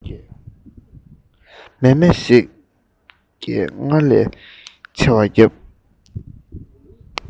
མཱེ མཱེ ཞེས སྐད སྔར ལས ཆེ བར བརྒྱབ